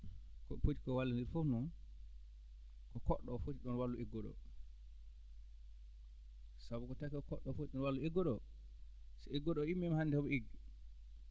ko ɓe poti koo wallonndir fof noon ko koɗɗo oo foti ɗon wallu egguɗo oo sabu ko taki o koɗɗo oo foti ɗon wallu egguɗo oo so egguɗo oo immiima hannde homo eggi